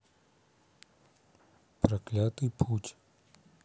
проклятый путь